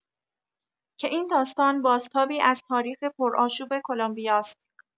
که این داستان بازتابی از تاریخ پرآشوب کلمبیاست!